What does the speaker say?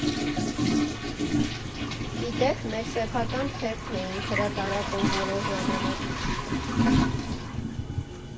Ի դեպ, մեր սեփական թերթն էինք հրատարակում որոշ ժամանակ։